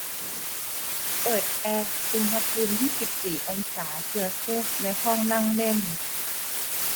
เปิดแอร์อุณหภูมิยี่สิบสี่องศาเซลเซียสในห้องนั่งเล่น